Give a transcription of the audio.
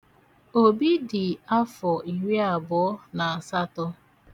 Obi dị afọ iriabụọ na asatọ.